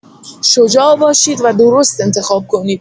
شجاع باشید و درست انتخاب کنید!